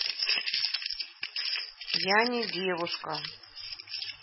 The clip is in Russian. я не девушка